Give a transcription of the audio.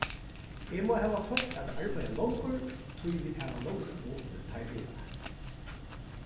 eg má hava fólk at arbeiða longur tí vit hava longur opið teir dagarnar